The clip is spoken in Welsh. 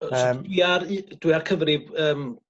Yym. Ia ar u- dwi ar cyfrif yym